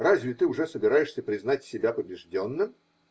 Разве ты уже собираешься признать себя побежденным?